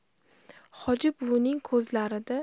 hoji buvining ko'zlarida